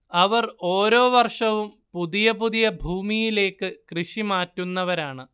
അവർ ഓരോ വർഷവും പുതിയ പുതിയ ഭൂമിയിലേക്ക് കൃഷി മാറ്റുന്നവരാണ്